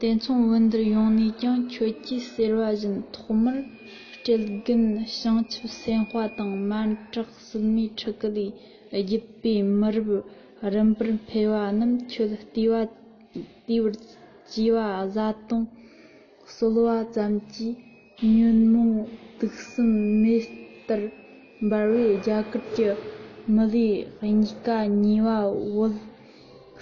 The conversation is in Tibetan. དེ མཚུངས བོད འདིར ཡོང ནས ཀྱང ཁྱོད ཀྱིས ཟེར བ བཞིན ཐོག མར ཕ སྤྲེལ རྒན བྱང ཆུབ སེམས དཔའ དང མ བྲག སྲིན མོའི ཕྲུ གུ ལས བརྒྱུད པའི མི རབས རིམ པར འཕེལ བ རྣམས ཁྱོད བལྟོས པར བཅས པ བཟའ བཏུང གསོལ བ ཙམ གྱིས ཉོན མོངས དུག གསུམ མེ ལྟར འབར བས རྒྱ གར གྱི མི ལས གཤིས ཀ ཉེས པས བོད